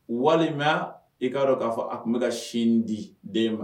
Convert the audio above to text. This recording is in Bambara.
Walima mɛ i k'a dɔn k'a fɔ a tun bɛ ka sin di den ma